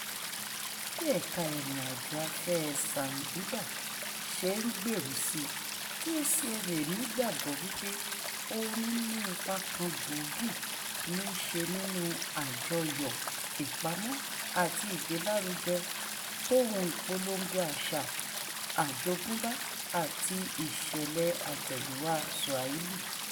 Bí ẹ̀ka ìrìn-àjò afẹ́ẹ Zanzibar ṣe ń gbèrò sí i, DCMA nígbàgbọ́ wípé orin ní ipa kan gbòógì ní í ṣe nínú àjọyọ̀, ìpamọ́ àti ìgbélárugẹ tòun ìpolongo àṣà, àjogúnbá àti ìṣẹ̀lẹ̀ àtẹ̀yìnwáa Swahili.